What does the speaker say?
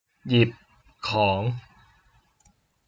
หยิบของ